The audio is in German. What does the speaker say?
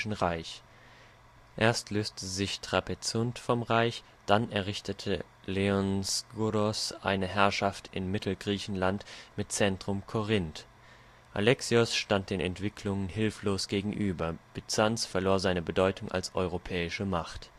Reich. Erst löste sich Trapezunt vom Reich, dann errichtete Leon Sgouros eine Herrschaft in Mittelgriechenland mit Zentrum Korinth. Alexios stand den Entwicklungen hilflos gegenüber, Byzanz verlor seine Bedeutung als europäische Macht